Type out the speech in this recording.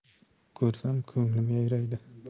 ko'rsam ko'nglim yayraydi